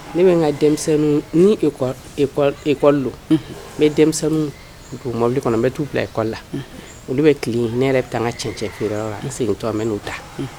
Ne be nka denminsɛnniw ni école école école don unhun nbe denmisɛnninw don mɔbili kɔnɔ nbe t'u bila école la unhun olu be tilen ye ne yɛrɛ bɛ taa ŋa cɛn-cɛn feere yɔrɔ la n segintɔ nbe n'u ta unh